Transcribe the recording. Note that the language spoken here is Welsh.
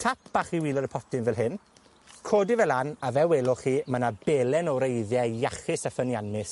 Tap bach i wilod' y potyn fel hyn, codi fe lan a fel welwch chi, ma' 'na belen o wreiddie iachus a ffyniannus